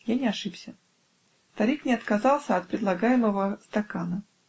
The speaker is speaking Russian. Я не ошибся: старик не отказался от предлагаемого стакана.